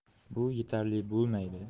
bu etarli bo'lmaydi